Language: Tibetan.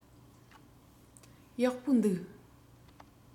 ཡག པོ འདུག